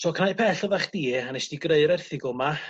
so cnau pell odda chdi a nes di greu'r erthygl 'ma